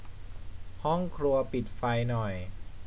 ห้องครัวปิดไฟหน่อย